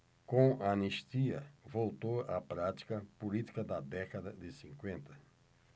com a anistia voltou a prática política da década de cinquenta